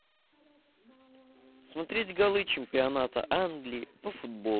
смотреть голы чемпионата англии по футболу